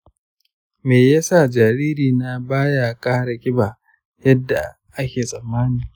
me ya sa jaririna ba ya ƙara ƙiba yadda ake tsammani?